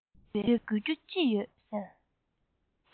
ཡོད པས དགོད རྒྱུ ཅི ཡོད ཟེར